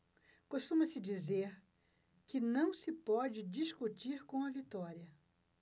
costuma-se dizer que não se pode discutir com a vitória